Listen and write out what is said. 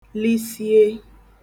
lisie